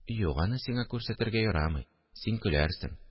– юк, аны сиңа күрсәтергә ярамый. син көләрсең